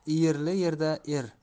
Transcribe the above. o'lmas iyirli yerda er